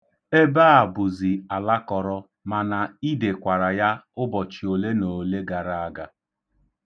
Ebe a bụzi alakọrọ, mana ide kwara ya ụbọchi olenoole gara aga.